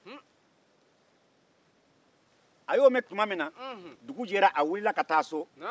a y'o mɛn tuma min na dugu jɛra a wulila ka taa so